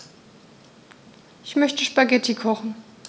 Ich möchte Spaghetti kochen.